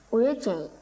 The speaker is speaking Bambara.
o ye tiɲɛ ye